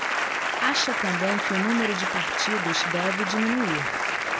acha também que o número de partidos deve diminuir